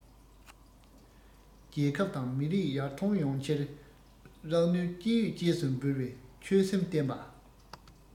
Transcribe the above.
རྒྱལ ཁབ དང མི རིགས ཡར ཐོན ཡོང ཕྱིར རང ནུས ཅི ཡོད སྐྱེས སུ འབུལ བའི ཆོད སེམས བརྟན པ